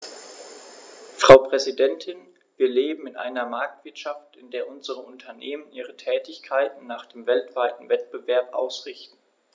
Frau Präsidentin, wir leben in einer Marktwirtschaft, in der unsere Unternehmen ihre Tätigkeiten nach dem weltweiten Wettbewerb ausrichten.